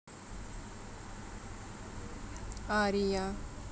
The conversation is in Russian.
ария